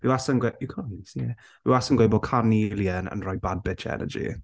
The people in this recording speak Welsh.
Wastad yn gwe- wastad yn gweud bod carnelian yn rhoi bad bitch energy.